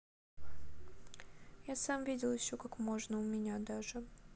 я сам видел еще как можно у меня даже